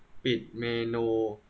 ปิดเมนู